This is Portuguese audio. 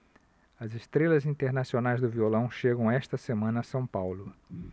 as estrelas internacionais do violão chegam esta semana a são paulo